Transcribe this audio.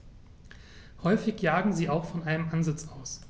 Häufig jagen sie auch von einem Ansitz aus.